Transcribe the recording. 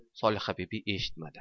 solihabibi eshitmadi